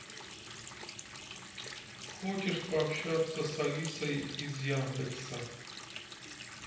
хочешь пообщаться с алисой из яндекса